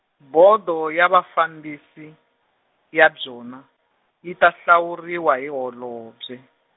Bodo ya Vafambisi, ya byona, yi ta hlawuriwa hi holobye.